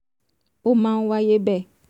Ó máa ń wáyé bẹ́ẹ̀